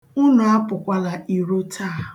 Unu apụkwala iro taa